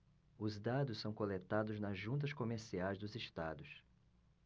os dados são coletados nas juntas comerciais dos estados